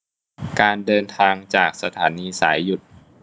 การเดินทางจากสถานีสายหยุด